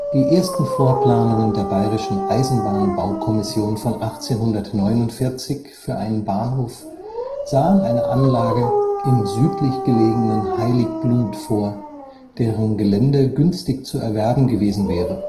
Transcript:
Die ersten Vorplanungen der bayerischen Eisenbahnbaukommission von 1849 für einen Bahnhof sahen eine Anlage im südlich gelegenen Heiligblut vor, deren Gelände günstig zu erwerben gewesen wäre